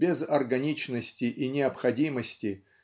без органичности и необходимости